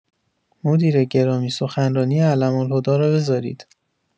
مدیر گرامی سخنرانی علم‌الهدی را بزارید